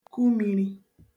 ku mīrī